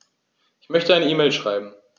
Ich möchte eine E-Mail schreiben.